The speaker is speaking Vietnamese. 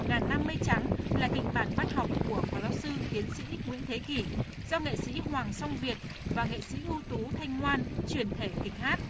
ngàn năm mây trắng là kịch bản văn học của phó giáo sư tiến sĩ nguyễn thế kỷ do nghệ sĩ hoàng song việt và nghệ sĩ ưu tú thanh ngoan chuyển thể kịch hát